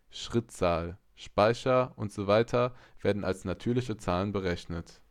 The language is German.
Schrittzahl, Speicher usw. werden als natürliche Zahlen berechnet